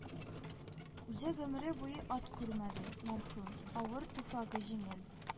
Үзе гомере буе ат күрмәде мәрхүм, авыр туфрагы җиңел